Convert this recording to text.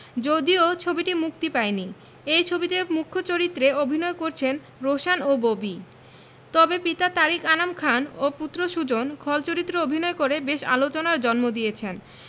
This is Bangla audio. যদিও ছবিটি মুক্তি পায়নি এই ছবিতে মূখ চরিত্রে অভিনয় করছেন রোশান ও ববি তবে পিতা তারিক আনাম খান ও পুত্র সুজন খল চরিত্র অভিনয় করে বেশ আলোচনার জন্ম দিয়েছেন